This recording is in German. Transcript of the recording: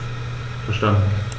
Verstanden.